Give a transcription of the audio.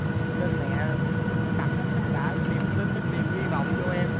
nên mẹ đặt hết tất cả niềm tin niềm hi vọng vô em